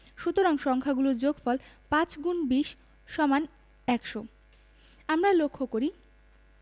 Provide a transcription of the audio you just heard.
সুতরাং সংখ্যা গুলোর যোগফল ৫x২০=১০০ আমরা লক্ষ করি